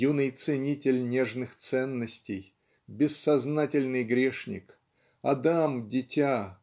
Юный ценитель нежных ценностей бессознательный грешник Адам-дитя